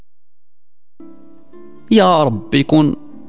يا رب يكون